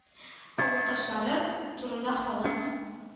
Авылдашлары турында халык